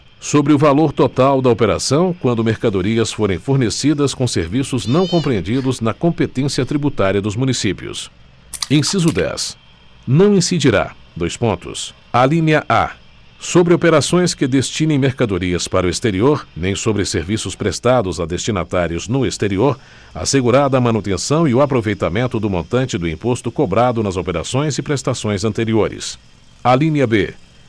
sobre o valor total da operação quando mercadorias forem fornecidas com serviços não compreendidos na competência tributária dos municípios inciso dez não incidirá dois pontos alínea a sobre operações que destinem mercadorias para o exterior nem sobre serviços prestados a destinatários no exterior assegurada a manutenção e o aproveitamento do montante do imposto cobrado nas operações e prestações anteriores alínea b